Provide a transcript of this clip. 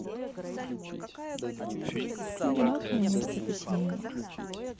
одинокая место поселения